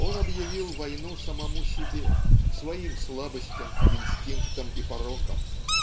он объявил войну самому себе своим слабостям инстинктам и порокам.